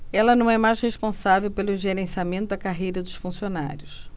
ela não é mais responsável pelo gerenciamento da carreira dos funcionários